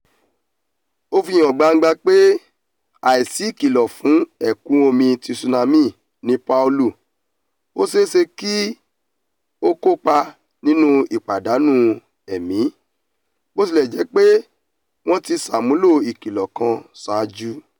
Ó fì hàn gbangba pé àìsí ìkìlọ̀ fún ẹ̀kún omi tsunami ní Palu, ó ṣeé ṣe kí ó kópà nínú ìpadànù ẹ̀mí, bó tilẹ̀ jẹ́ pé wọ́n tí ṣàmúlò ìkìlọ̀ kan ṣáájú.